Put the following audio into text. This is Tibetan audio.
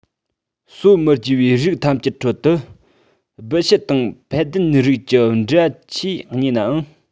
སོ མི བརྗེ བའི རིགས ཐམས ཅད ཁྲོད དུ སྦི བྱི དང ཕད ལྡན རིགས ཀྱི འབྲེལ བ ཆེས ཉེ ནའང